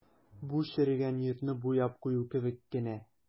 Бу черегән йортны буяп кую кебек кенә.